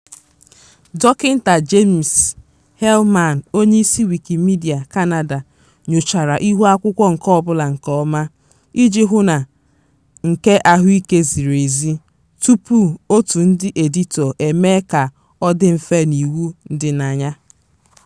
Dọkịta James Heilman, onyeisi Wikimedia Canada, nyochara ihuakwụkwọ nke ọbụla nke ọma, iji hụ na nke ahụike ziri ezi, tupu òtù ndị editọ emee ka ọ dị mfe n'Iwu Ndịnaya.